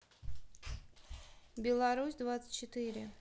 беларусь двадцать четыре